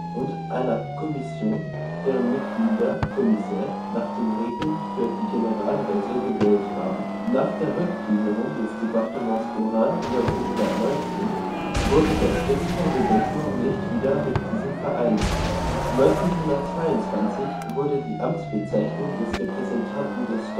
und einer commission, deren Mitglieder (commissaires) nach den Regeln für die Generalräte gewählt wurden. Nach der Rückgliederung des Départements Haut-Rhin 1919 wurde das Territoire de Belfort nicht wieder mit diesem vereinigt. 1922 wurde die Amtsbezeichnung des Repräsentanten des